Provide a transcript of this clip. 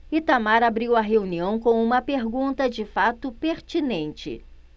itamar abriu a reunião com uma pergunta de fato pertinente